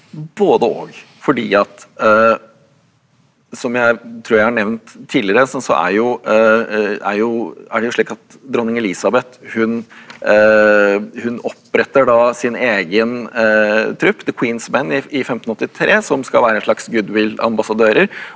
både og fordi at som jeg tror jeg har nevnt tidligere sant så er jo er jo er det jo slik at dronning Elizabeth hun hun oppretter da sin egen trupp i i 1583 som skal være en slags goodwill-ambassadører.